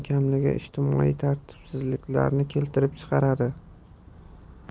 kamligi ijtimoiy tartibsizliklarni keltirib chiqaradi